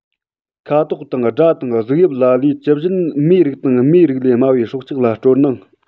ཁ དོག དང སྒྲ དང གཟུགས དབྱིབས ལ ལས ཇི བཞིན མིའི རིགས དང མིའི རིགས ལས དམའ བའི སྲོག ཆགས ལ སྤྲོ སྣང